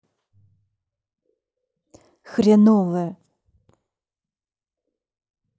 хреновая